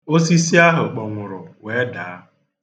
Osisi ahụ kpọnwụrụ wee daa.